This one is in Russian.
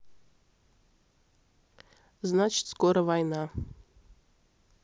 значит скоро война